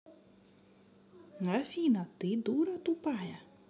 афина ты дура тупая